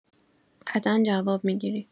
قطعا جواب می‌گیری